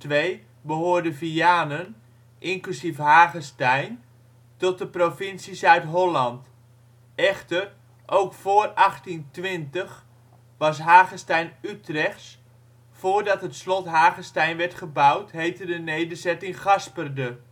2002 behoorde Vianen, inclusief Hagestein, tot de provincie Zuid-Holland. Echter, ook vóór 1820 was Hagestein Utrechts. Voordat het slot Hagestein werd gebouwd, heette de nederzetting Gasperde